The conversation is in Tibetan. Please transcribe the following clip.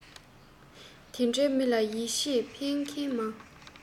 དེ འདྲའི མི ལ ཡིད ཆེས ཕན མཁན མང